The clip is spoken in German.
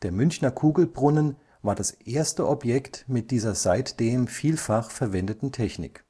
Münchner Kugelbrunnen war das erste Objekt mit dieser seitdem vielfach verwendeten Technik